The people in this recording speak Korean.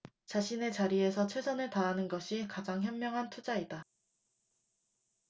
자신의 자리에서 최선을 다하는 것이 가장 현명한 투자이다